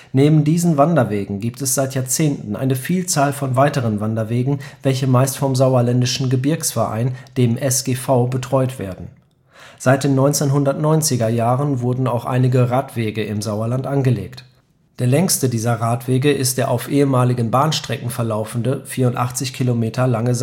Neben diesen Wanderwegen gibt es seit Jahrzehnten eine Vielzahl von weiteren Wanderwegen, welche meist vom Sauerländischen Gebirgsverein (SGV) betreut werden. Seit den 1990er Jahren wurden auch einige Radwege im Sauerland angelegt. Der längste dieser Radwege ist der auf ehemaligen Bahnstrecken verlaufende, 84 km lange